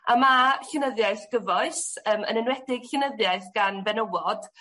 A ma' llenyddiaeth gyfoes yym yn enwedig llenyddiaeth gan fenywod